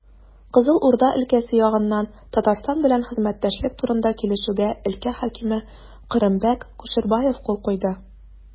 Кызыл Урда өлкәсе ягыннан Татарстан белән хезмәттәшлек турында килешүгә өлкә хакиме Кырымбәк Кушербаев кул куйды.